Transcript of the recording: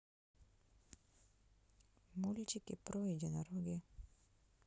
мультики про единороги